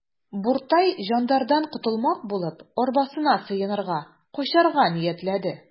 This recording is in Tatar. Буртай жандардан котылмак булып, арбасына сыенырга, качарга ниятләде.